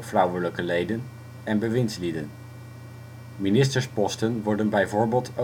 vrouwelijke leden en bewindslieden. Ministersposten worden bijvoorbeeld